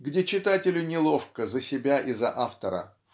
где читателю неловко за себя и за автора